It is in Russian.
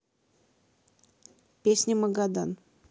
песня магадан